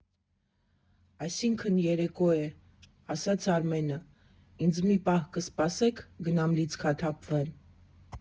֊ Այսինքն երեկո է, ֊ ասաց Արմենը, ֊ ինձ մի պահ կսպասե՞ք, գնամ՝ լիցքաթափվեմ։